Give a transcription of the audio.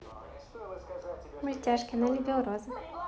мультяшки она любила розы